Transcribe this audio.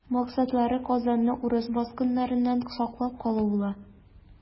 Максатлары Казанны урыс баскыннарыннан саклап калу була.